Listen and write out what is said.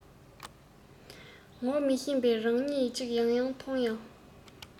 ངོ མི ཤེས པའི རང ཉིད ཅིག ཡང ཡང མཐོང ཡང